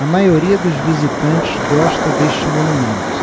a maioria dos visitantes gosta deste monumento